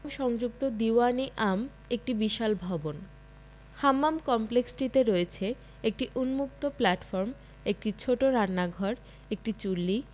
সংযুক্ত দীউয়ান ই আম একটি বিশাল ভবন হাম্মাম কমপ্লেক্সটিতে রয়েছে একটি উন্মুক্ত প্লাটফর্ম একটি ছোট রান্নাঘর একটি চুল্লী